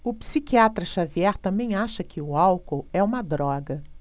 o psiquiatra dartiu xavier também acha que o álcool é uma droga